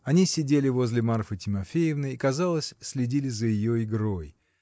Они сидели возле Марфы Тимофеевны и, казалось, следили за ее игрой